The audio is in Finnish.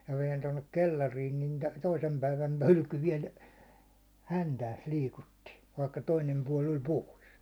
ja minä vein tuonne kellariin niin toisen päivän hylky vielä häntäänsä liikutti vaikka toinen puoli oli pois